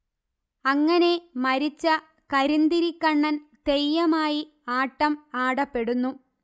അങ്ങനെ മരിച്ച കരിന്തിരി കണ്ണൻ തെയ്യമായി ആട്ടം ആടപ്പെടുന്നു